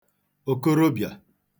òkorobịà